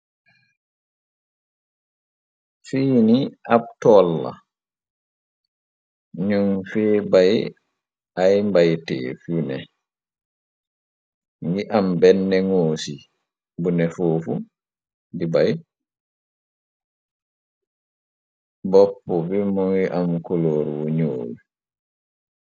fiini ab tolla nun fe bay ay mbaytéef yu ne ngi am benne ngoosi bu ne fuufu di bay bopp bi mungi am kuloor wu ñoo yu